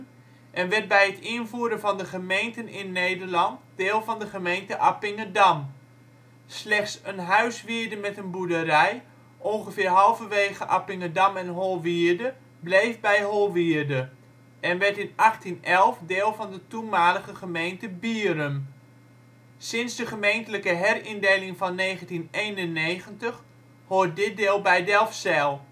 en werd bij het invoeren van de gemeenten in Nederland deel van de gemeente Appingedam. Slechts een huiswierde met een boerderij, ongeveer halverwege Appingedam en Holwierde bleef bij Holwierde, en werd in 1811 deel van de toenmalige gemeente Bierum. Sinds de gemeentelijke herindeling van 1991 hoort dit deel bij Delfzijl